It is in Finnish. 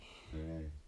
ei